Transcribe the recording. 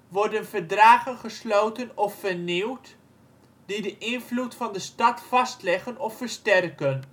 worden verdragen gesloten of vernieuwd die de invloed van de stad vastleggen of versterken